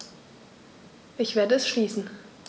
Ich werde es schließen.